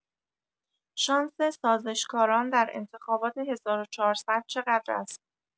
شانس سازشکاران در انتخابات ۱۴۰۰ چقدر است؟